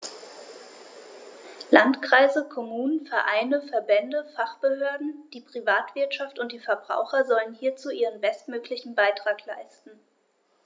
Landkreise, Kommunen, Vereine, Verbände, Fachbehörden, die Privatwirtschaft und die Verbraucher sollen hierzu ihren bestmöglichen Beitrag leisten.